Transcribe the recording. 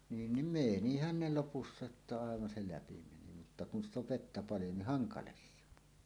niin niin menihän ne lopussa että aivan se läpi meni mutta kun sitä on vettä paljon niin hankala se on